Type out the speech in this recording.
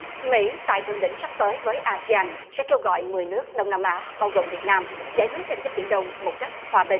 mỹ tại thượng đỉnh sắp tới với a sê an sẽ kêu gọi mười nước đông nam á bao gồm việt nam giải quyết tranh chấp biển đông một cách hòa bình